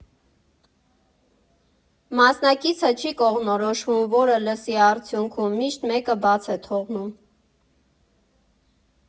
Մասնակիցը չի կողմնորոշվում՝ որը լսի, արդյունքում միշտ մեկը բաց է թողնում։